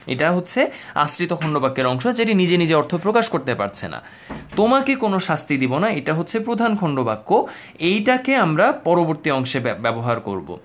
এটা হচ্ছে আশ্রিত খন্ড বাক্যের অংশ যেটি নিজে নিজে অর্থ প্রকাশ করতে পারছে না তোমাকে কোন শাস্তি দিব না এটা হচ্ছে প্রধান খন্ডবাক্য এইটা কে আমরা পরবর্তী অংশে ব্যবহার করব